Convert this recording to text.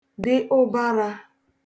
dị ụbarā